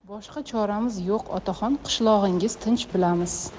boshqa choramiz yo'q otaxon qishlog'ingiz tinch bilamiz